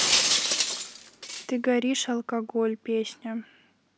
ты горишь алкоголь песня